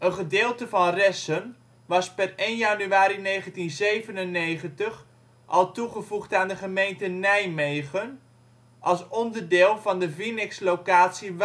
gedeelte van Ressen was per 1 januari 1997 al toegevoegd aan de gemeente Nijmegen, als onderdeel van de Vinex-locatie